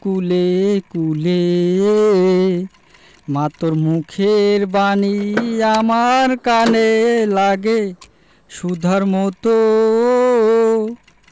কূলে কূলে মা তোর মুখের বাণী আমার কানে লাগে সুধার মতো